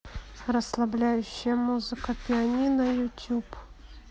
расслабляющая музыка пианино ютуб